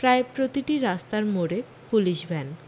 প্রায় প্রতিটি রাস্তার মোড়ে পুলিশ ভ্যান